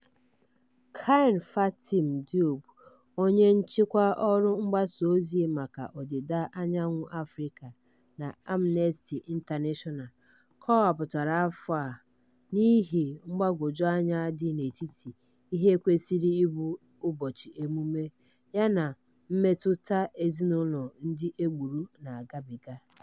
Kiné-Fatim Diop, onye nchịkwa ọrụ mgbasozi maka Ọdịda Anyanwụ Afịrịka na Amnesty International, kọwapụtara afọ a n'ihi mgbagwọju anya dị n'etiti ihe kwesịrị ịbụ ụbọchị mmemme yana mmetụta ezinụlọ ndị e gburu na-agabiga: